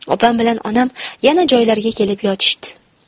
opam bilan onam yana joylariga kelib yotishdi